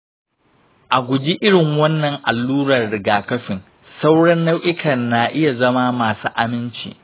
a guji irin wannan allurar rigakafin. sauran nau’ikan na iya zama masu aminci.